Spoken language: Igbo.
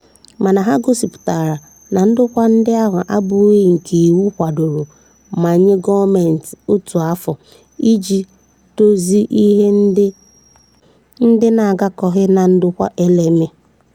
Mana ha gosipụtara na ndokwa ndị ahụ abụghị nke iwu kwadoro ma nye gọọmentị otu afọ iji dozie ihe ndị na-agakọghị na ndokwa LMA.